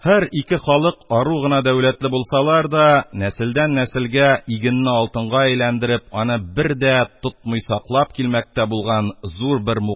Һәр ике халык ару гына дәүләтле булсалар да, нәселдән нәселгә игенне алтынга әйләндереп, аны бер дә тотмый саклап килмәктә булган зур бер